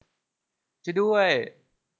ช่วยด้วย